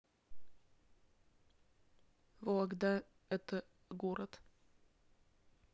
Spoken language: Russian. вологда это город